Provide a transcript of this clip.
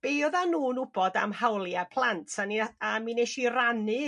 be o'dd a n'w'n w'bod am hawlia' plant? A mi a mi neshi rannu